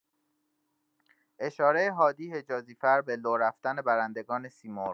اشاره هادی حجازی فر به لورفتن برندگان سیمرغ